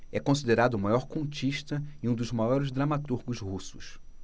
é considerado o maior contista e um dos maiores dramaturgos russos